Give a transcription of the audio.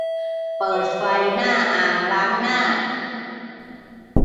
เปิดไฟหน้าอ่างล้างหน้า